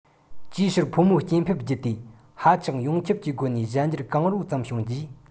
ཅིའི ཕྱིར ཕོ མོའི སྐྱེ འཕེལ རྒྱུ དེ ཧ ཅང ཡོངས ཁྱབ ཀྱི སྒོ ནས གཞན འགྱུར གང རུང ཙམ བྱུང རྗེས